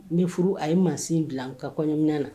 Min furu a ye maasin bila ka kɔɲɔmina na